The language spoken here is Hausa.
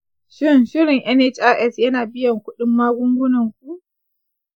shin shirin nhis yana biyan kuɗin magungunanku?